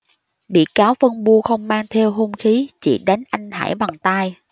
bị cáo phân bua không mang theo hung khí chỉ đánh anh hải bằng tay